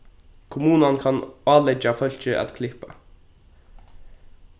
kommunan kann áleggja fólki at klippa